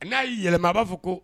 N'a y'i yɛlɛma a b'a fɔ ko